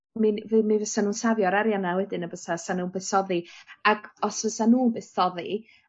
mi n- fydd mi fysan nw'n safio'r arian 'na wedyn on' bysa sa nw'n buddsoddi ac os fysa nw'n buddsoddi